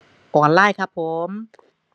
ออนไลน์ครับผม